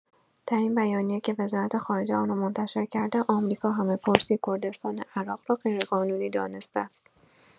در این بیانیه که وزارت‌خارجه آن را منتشر کرده، آمریکا همه‌پرسی کردستان عراق را غیرقانونی دانسته است.